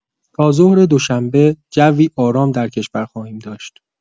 تا ظهر دوشنبه جوی آرام در کشور خواهیم داشت.